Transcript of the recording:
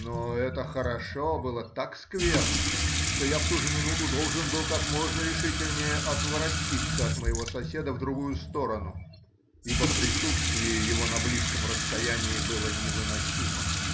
Но это хорошо было так скверно, что я в ту же минуту должен был как можно решительнее отворотиться от моего соседа в другую сторону, ибо присутствие его на близком расстоянии было невыносимо.